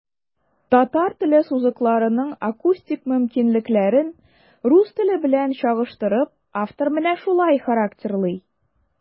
Татар теле сузыкларының акустик мөмкинлекләрен, рус теле белән чагыштырып, автор менә шулай характерлый.